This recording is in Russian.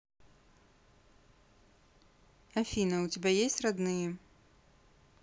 афина у тебя есть родные